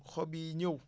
xob yi ñëw